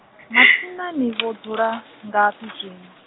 mathina ni vho dzula, ngafhi zwino?